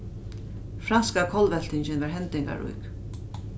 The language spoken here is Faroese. franska kollveltingin var hendingarík